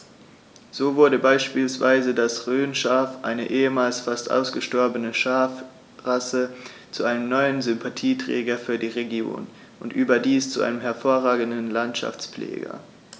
So wurde beispielsweise das Rhönschaf, eine ehemals fast ausgestorbene Schafrasse, zu einem neuen Sympathieträger für die Region – und überdies zu einem hervorragenden Landschaftspfleger.